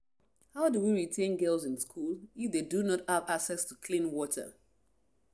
How do we retain girls in school if they do not have access to clean water?